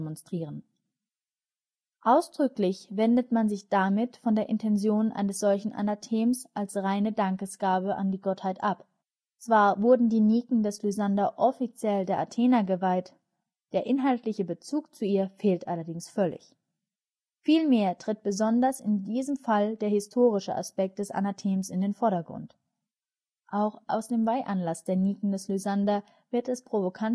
Ausdrücklich wendet man sich damit von der Intention eines solchen Anathems als reine Dankesgabe an die Gottheit ab. Zwar wurden die Niken des Lysander offiziell der Athena geweiht, der inhaltliche Bezug zu ihr fehlt allerdings völlig. Vielmehr tritt besonders in diesem Fall der historische Aspekt des Anathems in den Vordergrund. Auch aus dem Weihanlass der Niken des Lysander wird das provokante Konzept des Anathems deutlich